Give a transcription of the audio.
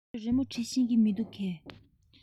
ཁོས རི མོ འབྲི ཤེས ཀྱི མིན འདུག གས